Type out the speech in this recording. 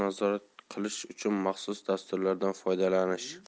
nazorat qilish uchun maxsus dasturlardan foydalanish